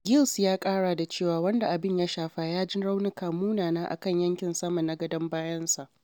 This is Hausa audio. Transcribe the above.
Giles ya ƙara da cewa wanda abin ya shafa ya ji raunuka munana a kan yankin sama na gadon bayansa.